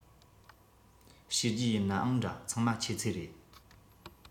བྱས རྗེས ཡིན ནའང འདྲ ཚང མ ཁྱེད ཚོའི རེད